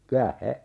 kyllä se